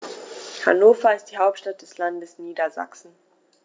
Hannover ist die Hauptstadt des Landes Niedersachsen.